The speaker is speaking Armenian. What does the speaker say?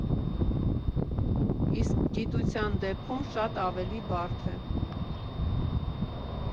Իսկ գիտության դեպքում շատ ավելի բարդ է.